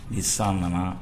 Ni san nana